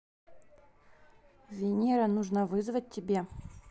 venera нужно вызвать тебе